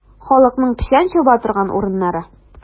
Халыкның печән чаба торган урыннары.